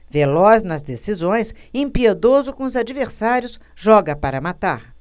veloz nas decisões impiedoso com os adversários joga para matar